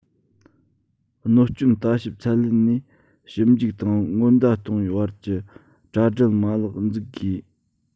གནོད སྐྱོན ལྟ ཞིབ ཚད ལེན ནས ཞིབ འཇུག དང སྔོན བརྡ གཏོང བའི བར གྱི དྲ སྦྲེལ མ ལག འཛུགས དགོས